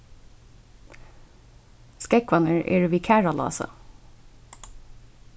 skógvarnir eru við karðalási